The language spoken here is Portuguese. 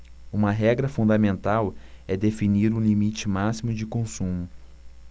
uma regra fundamental é definir um limite máximo de consumo